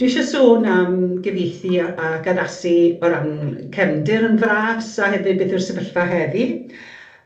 Dwi isie sôn am gyfieithu a- ac addasu o ran cefndir yn fras a hefyd beth yw'r sefyllfa heddi.